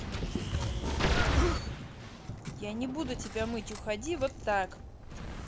я не буду тебя мыть уходи вот так